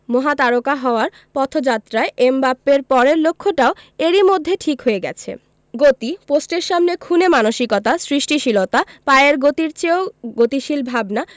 মহাতারকা হওয়ার পথযাত্রায় এমবাপ্পের পরের লক্ষ্যটাও এরই মধ্যে ঠিক হয়ে গেছে গতি পোস্টের সামনে খুনে মানসিকতা সৃষ্টিশীলতা পায়ের গতির চেয়েও গতিশীল ভাবনা